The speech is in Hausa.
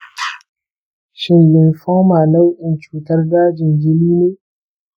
shin lymphoma nau’in cutar dajin jini ne?